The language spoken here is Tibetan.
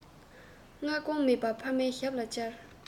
སྔ དགོང མེད པ ཕ མའི ཞབས ལ བཅར